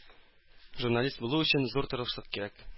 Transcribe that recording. Журналист булу өчен зур тырышлык кирәк.